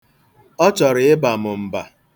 Ọ chọrọ ịba m mba.